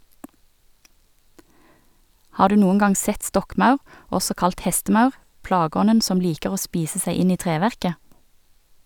Har du noen gang sett stokkmaur, også kalt hestemaur, plageånden som liker å spise seg inn i treverket?